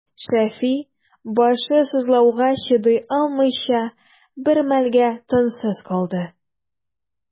Шәфи, башы сызлауга чыдый алмыйча, бер мәлгә тынсыз калды.